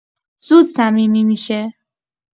زود صمیمی می‌شه